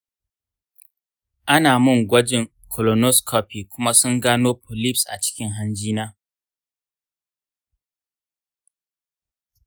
ana mun gwajin colonoscopy kuma sun gano polyps acikin hanji na.